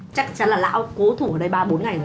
chắc chắn là lão cố thủ đây ba bốn ngày